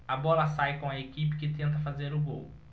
a bola sai com a equipe que tenta fazer o gol